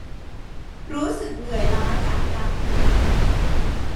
รู้สึกเหนื่อยล้าจากการทำงาน